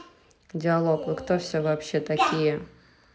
диалог вы кто все вообще такие